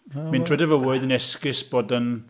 Mynd trwy dy fywyd yn esgus bod yn...